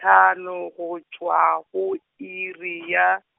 hlano go tšwa go iri ya.